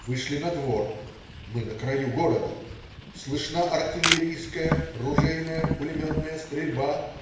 Вышли на двор (мы на краю города) -слышна артиллерийская, ружейная, пулеметная стрельба.